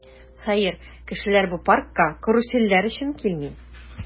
Хәер, кешеләр бу паркка карусельләр өчен килми.